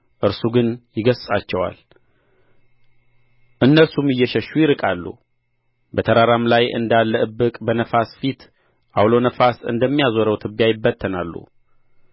እርሱ ግን ይገሥጻቸዋል እነርሱም እየሸሹ ይርቃሉ በተራራም ላይ እንዳለ እብቅ በነፋስ ፊት ዐውሎ ነፋስ እንደሚያዞረው ትቢያ ይበተናሉ